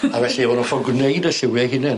A felly o'dd nw ffod gwneud y lliwie eu hunen.